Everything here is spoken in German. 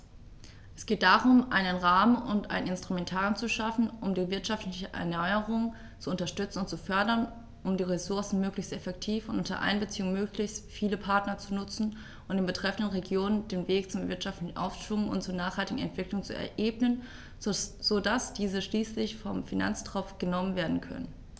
Es geht darum, einen Rahmen und ein Instrumentarium zu schaffen, um die wirtschaftliche Erneuerung zu unterstützen und zu fördern, um die Ressourcen möglichst effektiv und unter Einbeziehung möglichst vieler Partner zu nutzen und den betreffenden Regionen den Weg zum wirtschaftlichen Aufschwung und zur nachhaltigen Entwicklung zu ebnen, so dass diese schließlich vom Finanztropf genommen werden können.